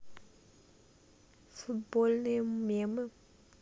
футбольные мемы